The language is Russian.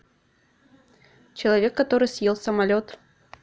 человек который съел самолет